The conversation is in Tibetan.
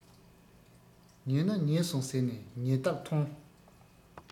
ཉེས ན ཉེས སོང ཟེར ནས ཉེས གཏགས ཐོངས